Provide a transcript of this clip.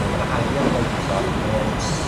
le' ma'r Alium White Rot mae e'n